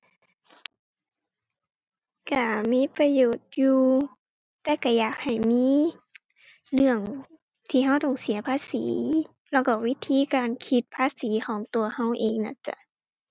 ก็มีประโยชน์อยู่ แต่ก็อยากให้มีเรื่องที่ก็ต้องเสียภาษี แล้วก็วิธีการคิดภาษีของตัวก็เองน่ะจ้ะ